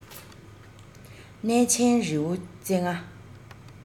གནས ཆེན རི བོ རྩེ ལྔ